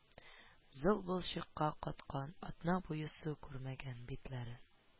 Зыл балчыкка каткан, атна буе су күрмәгән битләрен